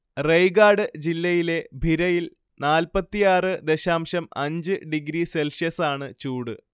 റയ്ഗാഡ് ജില്ലയിലെ ഭിരയിൽ നാല്പത്തിയാറ് ദശാംശം അഞ്ച് ഡിഗ്രി സെൽഷ്യസാണ് ചൂട്